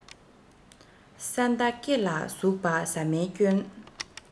ས མདའ སྐེ ལ ཟུག པ ཟ མའི སྐྱོན